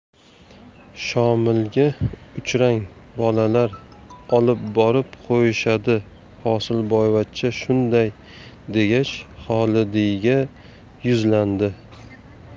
shomilga uchrang bolalar olib borib qo'yishadi hosilboyvachcha shunday degach xolidiyga yuzlandi